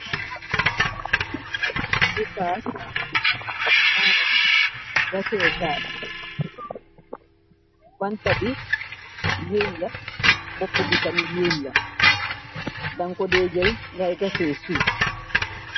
Pikaas la manam gasee kaay banta bi weeñ la bopp bi tami weeñ la danko deejël ngay gasee suuf.